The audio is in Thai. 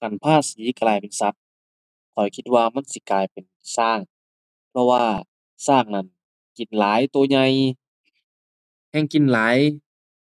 คันภาษีกลายเป็นสัตว์ ข้อยคิดว่ามันสิกลายเป็นช้าง เพราะว่าช้างนั้น กินหลาย ช้างใหญ่ แฮ่งกินหลาย